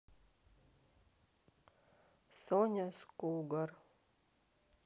соня скугар